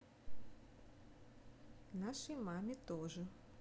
нашей маме тоже